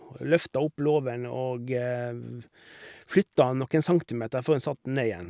Og løfta opp låven og flytta han noen centimeter før hun satt den ned igjen.